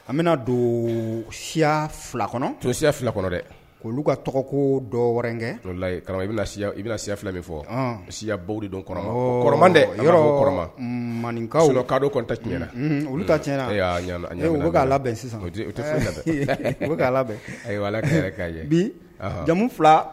An bɛna don siya fila kɔnɔ to siya fila kɔnɔ dɛ' ka tɔgɔ ko dɔ wɛrɛkɛ i bɛ si fila fɔ siya kɔnɔ yɔrɔ manin kadɔ ti na olu tiɲɛna' sisan u u ala ye bi jamu fila